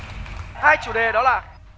hai chủ đề đó là